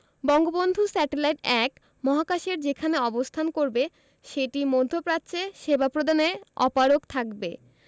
Bangabandhu satellite ১ মহাকাশের যেখানে অবস্থান করবে সেটি মধ্যপ্রাচ্যে সেবা প্রদানে অপারগ থাকবে